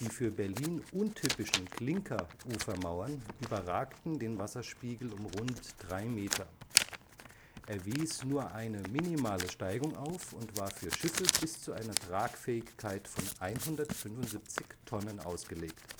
für Berlin untypischen Klinker-Ufermauern überragten den Wasserspiegel um rund drei Meter. Er wies nur eine minimale Steigung auf und war für Schiffe bis zu einer Tragfähigkeit von 175 Tonnen ausgelegt